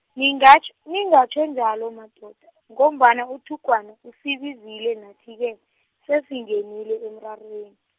ningatjh-, ningatjho njalo madoda ngombana uThugwana, usibizile nathi ke, sesingenile emrarweni.